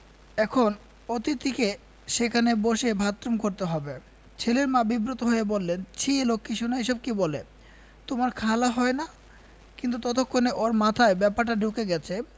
এখন অতিথিকে সেখানে বসে বাথরুম করতে হবে ছেলের মা বিব্রত হয়ে বললেন ছিঃ লক্ষীসোনা এসব কি বলে তোমার খালা হয় না কিন্তু ততক্ষণে ওর মাথায় ব্যাপারটা ঢুকে গেছে